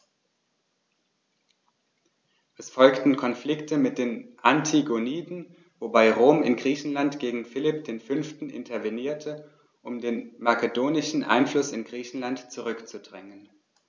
Es folgten Konflikte mit den Antigoniden, wobei Rom in Griechenland gegen Philipp V. intervenierte, um den makedonischen Einfluss in Griechenland zurückzudrängen.